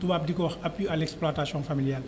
tubaab di ko wax appui à l' exploitation familiale